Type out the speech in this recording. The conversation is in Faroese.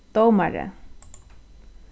dómari